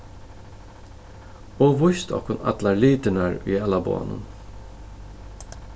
og víst okkum allar litirnar í ælaboganum